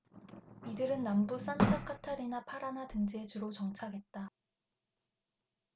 이들은 남부 산타카타리나 파라나 등지에 주로 정착했다